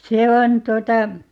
se on tuota